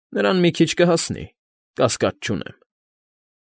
Նրան մի քիչ կհասնի, կասկած չունեմ։